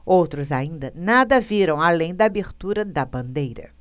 outros ainda nada viram além da abertura da bandeira